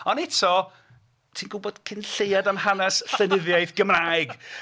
Ond eto ti'n gwbod cyn lleiad am hanes llenyddiaeth Gymraeg.